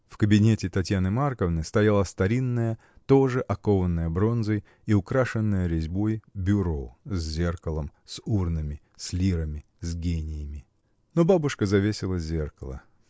В кабинете Татьяны Марковны стояло старинное, тоже окованное бронзой и украшенное резьбой бюро с зеркалом, с урнами, с лирами, с гениями. Но бабушка завесила зеркало.